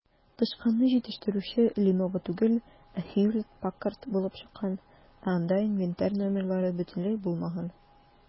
Тычканны җитештерүче "Леново" түгел, ә "Хьюлетт-Паккард" булып чыккан, ә анда инвентарь номерлары бөтенләй булмаган.